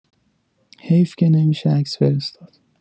حیف که نمی‌شه عکس فرستاد